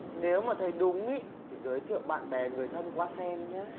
nếu mà thầy đúng ý thì giới thiệu bạn bè người thân qua xem nhá